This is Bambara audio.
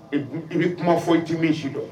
I bɛ kuma fɔ I tɛ min si dɔn